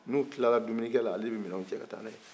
n'u tilali dumuni kɛ la ale de bi minaw tiyɛ ka taa n'u ye